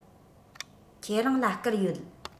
ཁྱེད རང ལ བསྐུར ཡོད